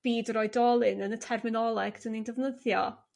byd yr oedolyn yn y terminoleg 'dyn ni'n defnyddio,